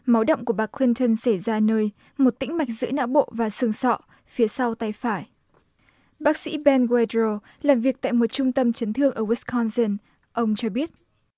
máu đọng của bà cờ lin tưn xảy ra nơi một tĩnh mạch giữ não bộ và xương sọ phía sau tay phải bác sĩ ben guây rô làm việc tại một trung tâm chấn thương ở uýt con sừn ông cho biết